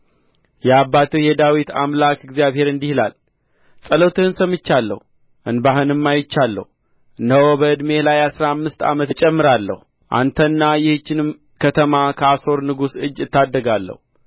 የአባትህ የዳዊት አምላክ እግዚአብሔር እንዲህ ይላል ጸሎትህን ሰምቻለሁ እንባህንም አይቻለሁ እነሆ በዕድሜህ ላይ አሥራ አምስት ዓመት አጨምራለሁ አንተንና ይህችንም ከተማ ከአሦር ንጉሥ እጅ እታደጋለሁ